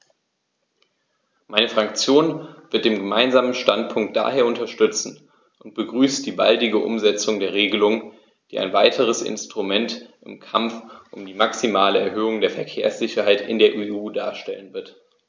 Meine Fraktion wird den Gemeinsamen Standpunkt daher unterstützen und begrüßt die baldige Umsetzung der Regelung, die ein weiteres Instrument im Kampf um die maximale Erhöhung der Verkehrssicherheit in der EU darstellen wird.